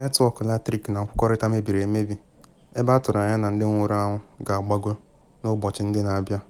Netwọk latrik na nkwukọrịta mebiri emebi, ebe atụrụ anya na ndị nwụrụ anwụ ga-agbago n’ụbọchị ndị na-abịa.